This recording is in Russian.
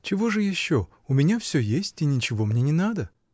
— Чего же еще: у меня всё есть, и ничего мне не надо.